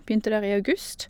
Begynte der i august.